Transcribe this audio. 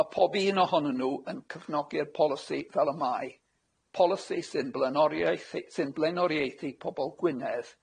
Ma' pob un ohonyn n'w yn cefnogi'r polisi fel y mae, polisi sy'n blaenoriaethu- sy'n blaenoriaethu pobol Gwynedd,